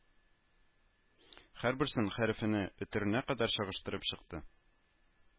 Һәрберсен хәрефенә, өтеренә кадәр чагыштырып чыкты